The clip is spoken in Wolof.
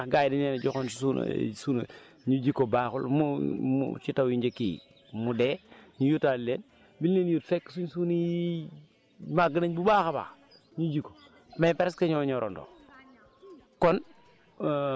suuna bi biñ ko jiyee yàggul ndax gaa yi dañ leen a joxoon suuna suuna ñu ji ko baaxul mu mu si taw yu njëkk yi mu dee ñu wutaat lee biñ leen di wut fekk suñ suuna yi màgg nañ bu baax a baax ñu ji ko mais presque ñoo ñorandoo